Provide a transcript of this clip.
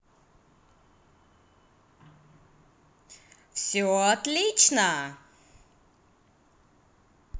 очень отлично